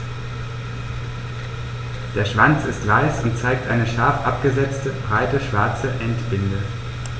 Der Schwanz ist weiß und zeigt eine scharf abgesetzte, breite schwarze Endbinde.